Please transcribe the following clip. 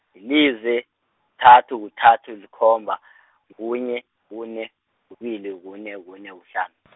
yi lize, kuthathu, kuthathu, zikhomba, kunye, kune, kubili, kune, kune, kuhlanu .